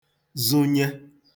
zụnye